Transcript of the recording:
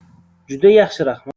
juda yaxshi raxmat